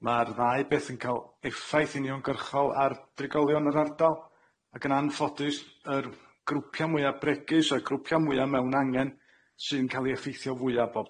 Ma'r ddau beth yn ca'l effaith uniongyrchol ar drigolion yr ardal ac yn anffodus yr grwpia' mwya bregus a'r grwpia' mwya mewn angen sy'n cal i effeithio fwya bob tro.